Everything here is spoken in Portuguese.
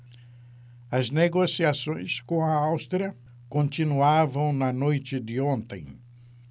as negociações com a áustria continuavam na noite de ontem